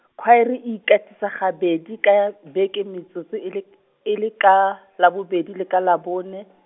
khwaere e ikatisa gabedi ka beke metsotso e le k-, e le ka, Labobedi le ka Labone.